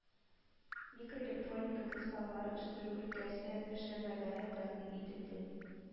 Микроэлектроника, кристаллар үстерү өлкәсе эшләнмәләре тәкъдим ителде